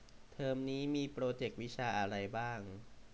เทอมนี้มีโปรเจควิชาอะไรบ้าง